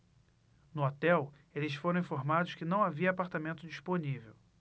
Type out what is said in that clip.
no hotel eles foram informados que não havia apartamento disponível